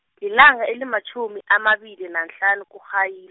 lilanga elimatjhumi amabili nahlanu kuMrhayili.